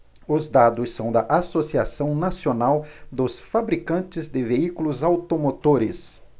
os dados são da anfavea associação nacional dos fabricantes de veículos automotores